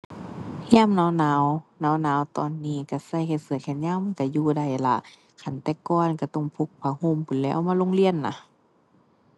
ยามหนาวหนาว หนาวหนาวตอนนี้ก็ใส่เสื้อแขนยาวมันก็อยู่ได้ล่ะ คันแต่ก่อนก็ต้องพกผ้าห่มพู้นแหล้วมาโรงเรียนน่ะ